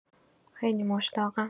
خیلی مشتاقم